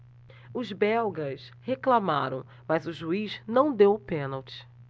os belgas reclamaram mas o juiz não deu o pênalti